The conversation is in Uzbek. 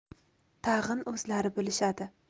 tag'in o'zlari bilishadi